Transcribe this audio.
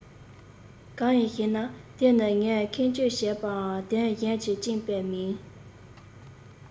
གང ཡིན ཞེ ན དེ ནི ངས ཁེངས སྐྱུང བྱས པའམ དོན གཞན གྱི རྐྱེན པས མིན